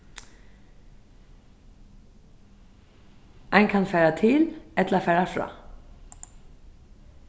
ein kann fara til ella fara frá